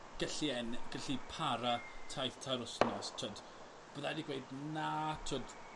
gellu en- gallu para taith tair wthnos t'od? Bydd raid fi gweud na t'od